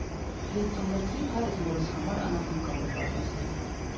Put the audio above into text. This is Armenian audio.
Երբ ծնվեցի, հայրս մորս համար անակնկալ էր պատրաստել.